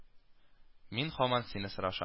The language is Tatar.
Мин һаман сине сораша